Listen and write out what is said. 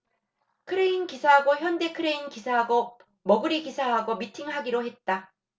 크레인 기사하고 현대 크레인 기사하고 머구리 기사하고 미팅하기로 했다